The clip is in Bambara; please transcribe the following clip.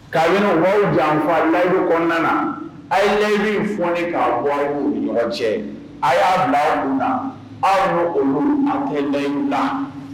Kay baw janfa layi kɔnɔna na a ye ɲɛɲini fɔoni k'a bɔ' yɔrɔ cɛ a y'a bila aw na aw' olu a tɛ ɲɛɲini la